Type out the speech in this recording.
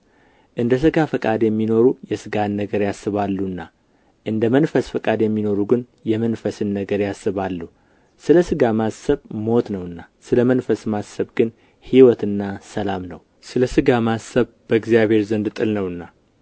እንደ ሥጋ ፈቃድ በባንመላለስ በእኛ የሕግ ትእዛዝ ይፈጸም ዘንድ ኃጢአትን በሥጋ ኰነነ እንደ ሥጋ ፈቃድ የሚኖሩ የሥጋን ነገር ያስባሉና እንደ መንፈስ ፈቃድ የሚኖሩ ግን የመንፈስን ነገር ያስባሉ ስለ ሥጋ ማሰብ ሞት ነውና ስለ መንፈስ ማሰብ ግን ሕይወትና ሰላም ነው ስለ ሥጋ ማሰብ በእግዚአብሔር ዘንድ ጥል ነውና